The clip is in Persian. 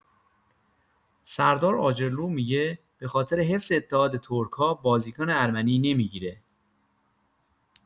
سردار آجرلو می‌گه به‌خاطر حفظ اتحاد ترک‌ها بازیکن ارمنی نمی‌گیره!